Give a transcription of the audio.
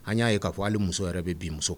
An y'a ye k'a fɔ hali muso yɛrɛ bɛ bin muso